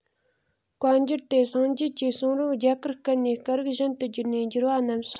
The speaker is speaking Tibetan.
བཀའ འགྱུར ཏེ སངས རྒྱས ཀྱི གསུང རབ རྒྱ གར སྐད ནས སྐད རིགས གཞན དུ བསྒྱུར ནས འགྱུར བ རྣམས སོ